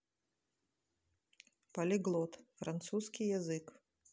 полиглот французский язык